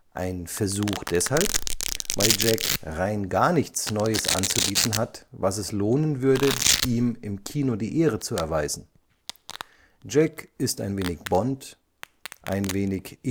Ein Versuch deshalb, weil Jack rein gar nichts Neues anzubieten hat, was es lohnen würde, ihm im Kino die Ehre zu erweisen. Jack ist ein wenig Bond, ein wenig